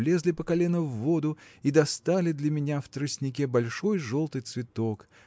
влезли по колено в воду и достали для меня в тростнике большой желтый цветок